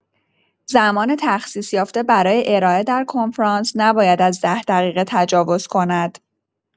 زمان تخصیص‌یافته برای ارائه در کنفرانس نباید از ده دقیقه تجاوز کند.